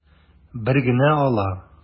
Бер генә ала.